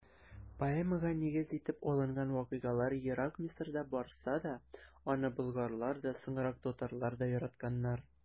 Поэмага нигез итеп алынган вакыйгалар ерак Мисырда барса да, аны болгарлар да, соңрак татарлар да яратканнар.